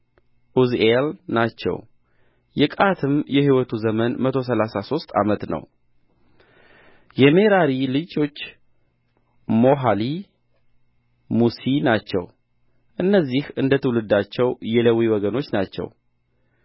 ዑዝኤል ናቸው የቀዓትም የሕይወቱ ዘመን መቶ ሠላሳ ሦስት ዓመት ነው የሜራሪ ልጆች ሞሖሊ ሙሲ ናቸው እነዚህ እንደ ትውልዳቸው የሌዊ ወገኖች ናቸው